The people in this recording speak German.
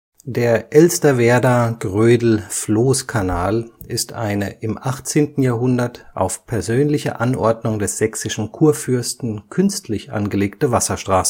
Der Elsterwerda-Grödel-Floßkanal ist eine im 18. Jahrhundert auf persönliche Anordnung des sächsischen Kurfürsten künstlich angelegte Wasserstraße